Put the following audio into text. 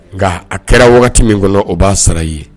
Nka a kɛra min kɔnɔ o b'a sara i ye